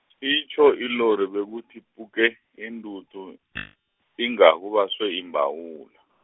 itjho ilori bekuthi puke, intuthu , inga, kubaswe imbawula.